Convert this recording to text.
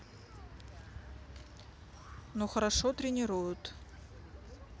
ну хорошо тренируют